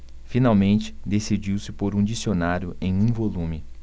finalmente decidiu-se por um dicionário em um volume